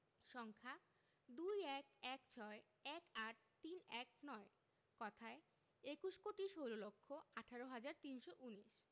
সংখ্যাঃ ২১ ১৬ ১৮ ৩১৯ কথায়ঃ একুশ কোটি ষোল লক্ষ আঠারো হাজার তিনশো উনিশ